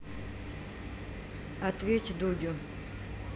ответь дудю